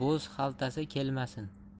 bo'z xaltasi kelmasin